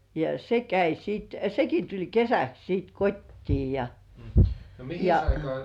ja se kävi sitten sekin tuli kesäksi sitten kotiin ja ja